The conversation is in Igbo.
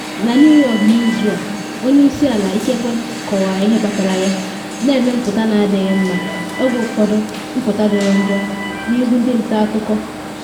Na New York n’izu a onye isi ala ikekwe kọwara ihe kpatara ya, na eme mpụta na adịghị mma, oge ụfọdụ mpụta jọrọ njọ n’ihu ndị nta akụkọ.